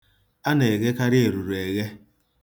A na-eghekari eruru eghe.